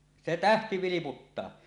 se tähti vilputtaa